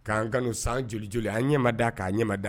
K'an kanu san joli joli an ɲɛma da k'a ɲɛ